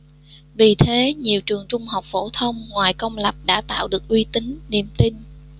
vì thế nhiều trường trung học phổ thông ngoài công lập đã tạo được uy tín niềm tin